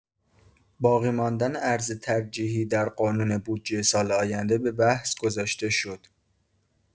باقی‌ماندن ارز ترجیحی در قانون بودجه سال آینده به بحث گذاشته شد.